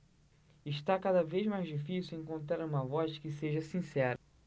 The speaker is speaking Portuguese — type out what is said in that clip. está cada vez mais difícil encontrar uma voz que seja sincera